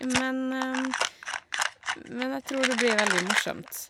men Men jeg tror det blir veldig morsomt.